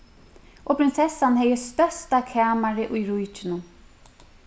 og prinsessan hevði størsta kamarið í ríkinum